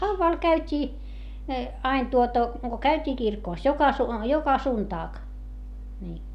no haudalla käytiin aina tuota kun käytiin kirkossa joka - joka sunnuntai niin